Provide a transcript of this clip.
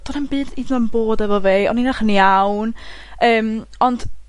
do'dd na'm byd even yn bod efo fi. O'n i'n eych yn iawn, yym, ond